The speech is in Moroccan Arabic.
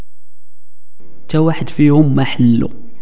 توحد في ام محله